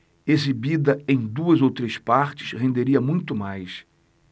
exibida em duas ou três partes renderia muito mais